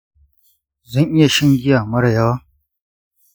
zan iya shan giya mara yawa?